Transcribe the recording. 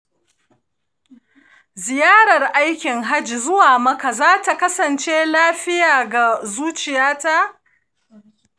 ziyarar aikin hajji zuwa makka za ta kasance lafiya ga zuciyata?